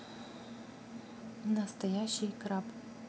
настоящий краб